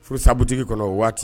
Furusabutigi kɔnɔ o waati